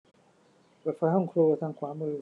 เปิดไฟห้องครัวทางขวามือ